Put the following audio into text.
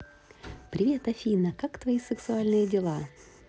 привет афина как твои сексуальные дела